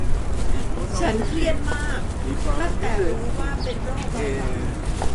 ฉันเครียดมากตั้งแต่รู้ว่าเป็นโรคเบาหวาน